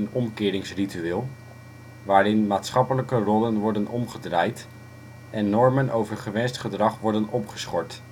omkeringsritueel, waarin maatschappelijke rollen worden omgedraaid en normen over gewenst gedrag worden opgeschort